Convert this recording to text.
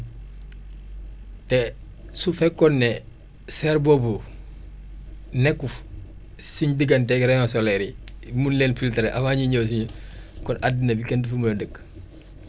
te su fekkoon ne serre boobu nekkul suñu diggante ak rayons solaires yi mun leen filtrer avant ñuy ñëw si ñun kon addina bi kenn du fi mën a dëkk